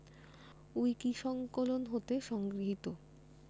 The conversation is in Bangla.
উইকিসংকলন হতে সংগৃহীত